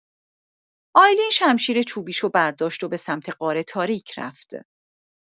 آیلین شمشیر چوبیشو برداشت و به سمت غار تاریک رفت.